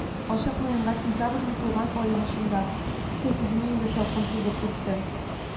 Ачык муенга сентябрьнең тулган аемы шунда, төн үземе инде салкын сызып үтте